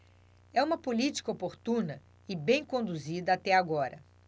é uma política oportuna e bem conduzida até agora